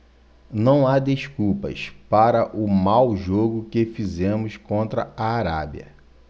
não há desculpas para o mau jogo que fizemos contra a arábia